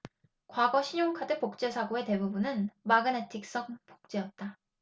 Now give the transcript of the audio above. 과거 신용카드 복제 사고의 대부분은 마그네틱선 복제였다